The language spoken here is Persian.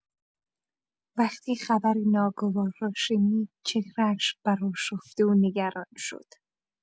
وقتی خبر ناگوار را شنید، چهره‌اش برآشفته و نگران شد.